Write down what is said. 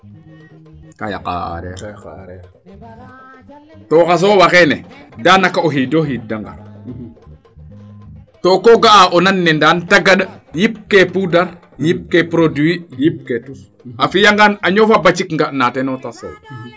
kaa yaqa areer to xa soowa xeene daanaka o xiido xiid de ngar to ko ga'a o nan ne Ndane te gand yip kee poudre yip kee produit yip kee tus a fiya ngaan a ñofo bacik ngaɗ na teno te sooy